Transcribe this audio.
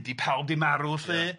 Ydy pawb wedi marw lly? Ia.